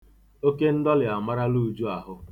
Oke ndọlị amarala Uju ahụ.